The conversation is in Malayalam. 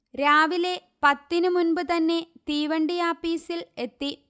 രാവിലെ പത്തിനു മുന്പ് തന്നെ തീവണ്ടിയാപ്പീസിൽ എത്തി